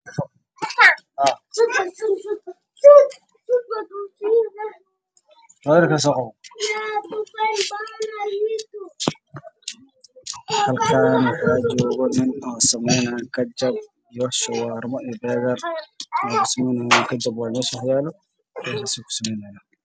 Waa nin meel fadhiyo wuxu wataa funanad madow ah